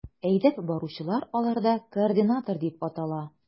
Әйдәп баручылар аларда координатор дип атала.